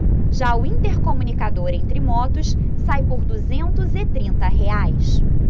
já o intercomunicador entre motos sai por duzentos e trinta reais